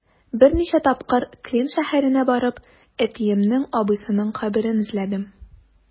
Берничә тапкыр Клин шәһәренә барып, әтиемнең абыйсының каберен эзләдем.